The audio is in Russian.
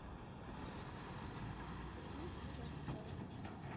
какие сейчас праздники